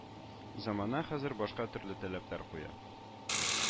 Замана хәзер башка төрле таләпләр куя